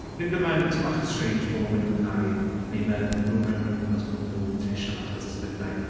Fi'n ffeindio fe'n tipyn bach yn strange bod maen nhw yna i neu ma' rumour yn mynd o gwmpas bod nhw'n official nawr cos it's a bit like...